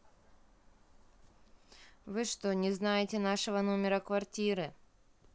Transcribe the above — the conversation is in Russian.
вы что не знаете нашего номера квартиры